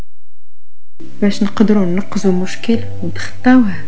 نقدر نقسم مشكل